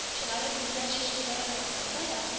Чыгарып миндаль чәчәк атканда да